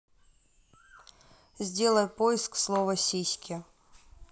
сделай поиск слова сиськи